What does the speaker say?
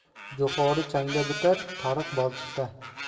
jo'xori changda bitar tariq balchiqda